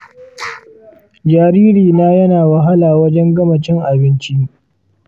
jaririna yana wahala wajen gama cin abinci.